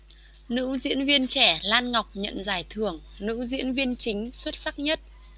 nữ diễn viên trẻ lan ngọc nhận giải thưởng nữ diễn viên chính xuất sắc nhất